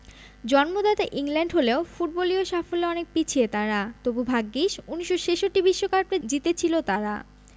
জন্মদাতা ইংল্যান্ড হলেও ফুটবলীয় সাফল্যে অনেক পিছিয়ে তারা তবু ভাগ্যিস ১৯৬৬ বিশ্বকাপটা জিতেছিল তারা